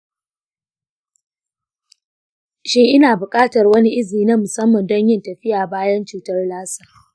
shin ina bukatar wani izini na musamman don yin tafiya bayan cutar lassa?